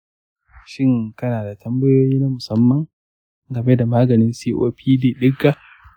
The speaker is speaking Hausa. shin kana da tambayoyi na musamman game da maganin copd ɗinka?